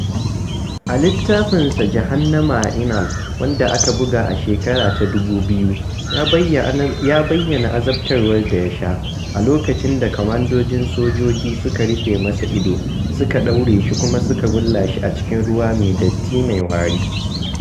A littafinsa "Jahannama a Inal" wanda aka buga a 2000, ya bayyana azabtarwa da ya sha, a lokacin da kwamandojin sojoji suka rufe masa idanu, suka ɗaure shi, kuma suka wulla shi a cikin ruwa mai datti mai wari.